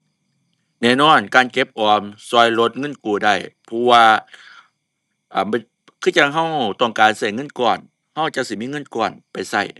แน่นอน การเก็บออมช่วยลดเงินกู้ได้ เพราะว่า อ่า เป็นคือจั่งช่วยต้องการช่วยเงินก้อน ช่วยจั่งสิมีเงินก้อนไปช่วย